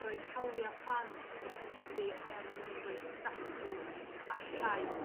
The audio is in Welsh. roid hawlia' plant yn bwysig er mwyn roid statws a llais